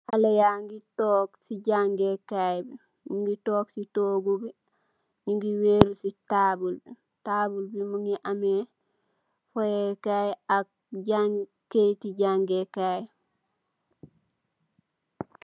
Xale yagi tog si jangeh kai bi nyugi tog so togu bi nyu gi weru si tabul bi tabul bi mogi ameh foyeh kai ak keyti jangeh kai.